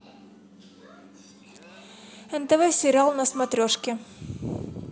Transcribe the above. нтв сериал на смотрешке